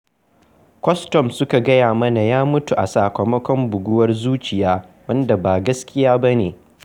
Kwastam suka gaya mana ya mutu a sakamakon buguwar zuciya, wanda ba gaskiya ba ne.